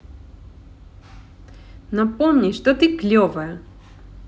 напомни что ты клевая